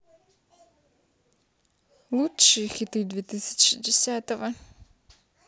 лучшие хиты две тысячи десятого